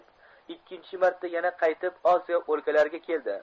ikkinchi marta yana qaytib osiyo o'lkalariga keldi